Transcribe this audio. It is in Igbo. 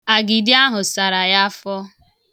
Akidi ahụ sara ya afọ.